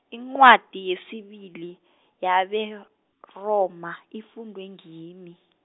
incwadi yesibili, yabeRoma ifundwe ngimi.